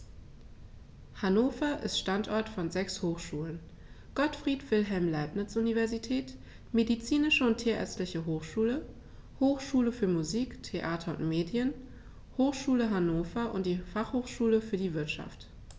Hannover ist Standort von sechs Hochschulen: Gottfried Wilhelm Leibniz Universität, Medizinische und Tierärztliche Hochschule, Hochschule für Musik, Theater und Medien, Hochschule Hannover und die Fachhochschule für die Wirtschaft.